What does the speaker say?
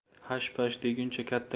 hash pash deguncha katta